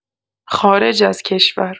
خارج از کشور